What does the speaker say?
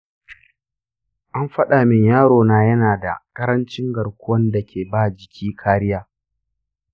an faɗa min yaro na yana da ƙarancin garkuwan dake ba jiki kariya.